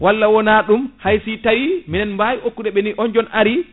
walla wona ɗum hay si tawi minen mbawi hokkude ɗum on joni ari